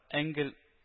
Энгель